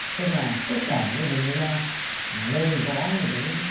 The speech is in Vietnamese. tức là tất cả những vùng nuôi ngao nên có một cái